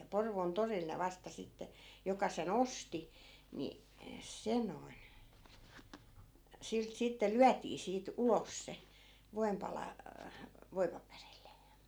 ja Porvoon torilla ne vasta sitten joka sen osti niin se noin siltä sitten lyötiin siitä ulos se voinpala voipaperille